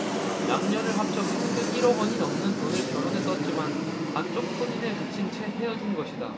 남녀를 합쳐 평균 일 억원이 넘는 돈을 결혼에 썼지만 반쪽 혼인에 그친 채 헤어진 것이다